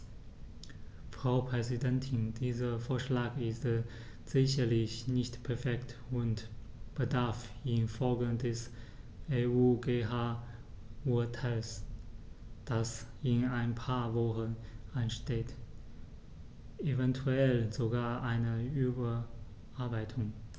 Frau Präsidentin, dieser Vorschlag ist sicherlich nicht perfekt und bedarf in Folge des EuGH-Urteils, das in ein paar Wochen ansteht, eventuell sogar einer Überarbeitung.